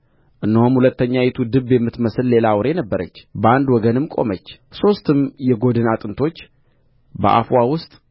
እነሆም ሁለተኛይቱ ድብ የምትመስል ሌላ አውሬ ነበረች በአንድ ወገንም ቆመች ሦስትም የጐድን አጥንቶች በአፍዋ ውስጥ